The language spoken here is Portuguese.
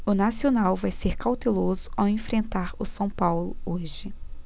o nacional vai ser cauteloso ao enfrentar o são paulo hoje